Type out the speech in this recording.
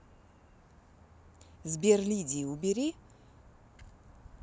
сбер лидии убери